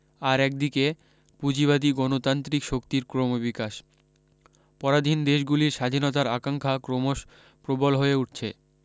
আর একদিকে পুঁজিবাদি গণতান্ত্রিক শক্তির ক্রম বিকাশ পরাধীন দেশগুলির স্বাধীনতার আকাঙ্খা ক্রমশ প্রবল হয়ে উঠছে